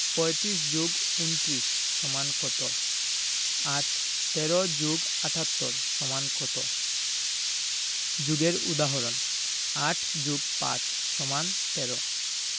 ৩৫ + ২৯ = কত ৮ ১৩ + ৭৮ = কত যোগের উদাহরণঃ ৮ + ৫ = ১৩